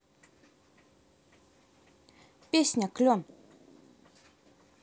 песня клен